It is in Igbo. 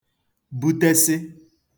butesị